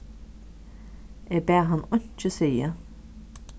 eg bað hann einki siga